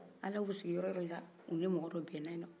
ala y'a k'u bɛ sigin yɔrɔ wo yɔrɔ la u ni mɔgɔ dɔ bɛɛ na ye